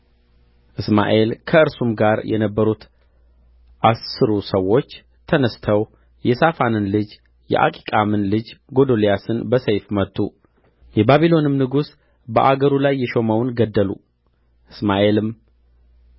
እስማኤል ከእርሱም ጋር የነበሩት አሥሩ ሰዎች ተነሥተው የሳፋንን ልጅ የአኪቃምን ልጅ ጎዶልያስን በሰይፍ መቱ የባቢሎንም ንጉሥ በአገሩ ላይ የሾመውን ገደሉ እስማኤልም